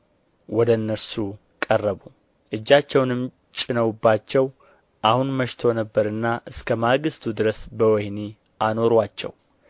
ወደ እነርሱ ቀረቡ እጃቸውንም ጭነውባቸው አሁን መሽቶ ነበርና እስከ ማግሥቱ ድረስ በወኅኒ አኖሩአቸው